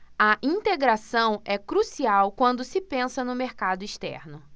a integração é crucial quando se pensa no mercado externo